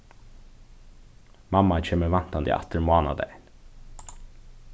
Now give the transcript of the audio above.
mamma kemur væntandi aftur mánadagin